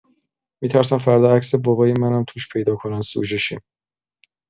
می‌ترسم فردا عکس بابای منم توش پیدا کنن سوژه شیم!